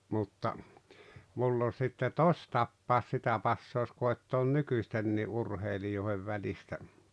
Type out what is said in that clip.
mutta minulla on sitten tositapaus sitä passaa koettaa nykyistenkin urheilijoiden välistä